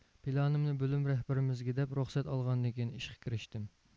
پىلانىمنى بۆلۈم رەھبىرىمىزگە دەپ رۇخسەت ئالغاندىن كېيىن ئىشقا كىرىشتىم